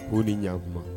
K'u ni ɲaŋuma